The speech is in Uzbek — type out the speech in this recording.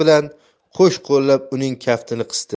bilan qo'sh qo'llab uning kaftini qisdi